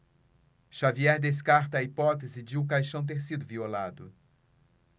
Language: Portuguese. xavier descarta a hipótese de o caixão ter sido violado